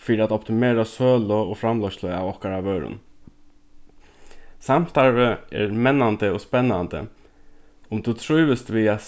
fyri at optimera sølu og framleiðslu av okkara vørum samstarvið er mennandi og spennandi um tú trívist við at